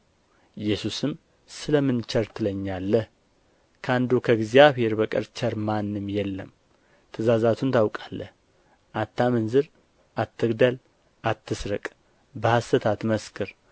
ኢየሱስም ስለ ምን ቸር ትለኛለህ ከአንዱ ከእግዚአብሔር በቀር ቸር ማንም የለም ትእዛዛቱን ታውቃለህ አታመንዝር አትግደል አትስረቅ በሐሰት አትመስክር